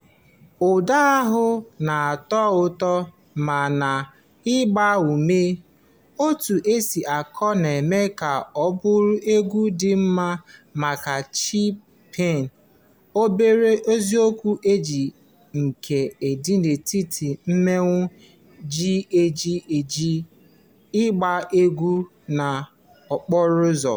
Ụda ahụ na-atọ ụtọ ma na-agba ume, etu o si akụ na-eme ka ọ bụrụ egwu dị mma maka "chipịn" (obere nzọụkwụ ije nke ndị na-eti mmọnwụ ji eje ije/agba egwu n'okporo ụzọ).